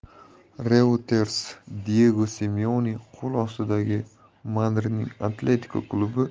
reutersdiyego simeone qo'l ostidagi madridning atletiko